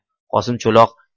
qosim cho'loq